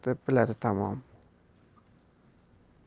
deb biladi tamom